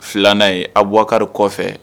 2an ye Abubakari kɔfɛ